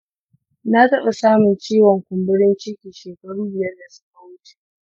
na taɓa samun ciwon kumburin ciki shekaru biyar da suka wuce.